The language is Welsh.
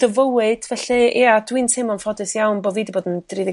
dy fywyd felly ia dwi'n teimlo'n ffodus iawn bo' fi 'di bod yn